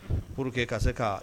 Pour que ka se ka